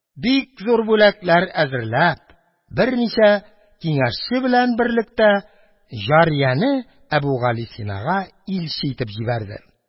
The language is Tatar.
Бик зур бүләкләр әзерләп, берничә киңәшче белән берлектә җарияне Әбүгалисинага илче итеп җибәрде.